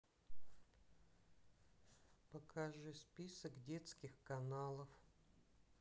покажи список детских каналов